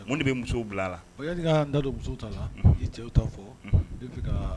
Mun de bɛ muso bila la o n da don muso ta la i cɛw t ta fɔ i